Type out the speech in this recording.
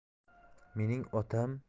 mening otam